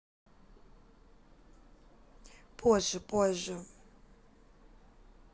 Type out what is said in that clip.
позже позже